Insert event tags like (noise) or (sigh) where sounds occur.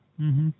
(hesitation) (hesitation)